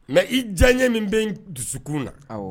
Mais i diyaye min bɛ n dusukun na.